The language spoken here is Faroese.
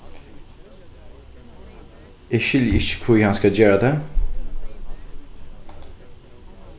eg skilji ikki hví hann skal gera tað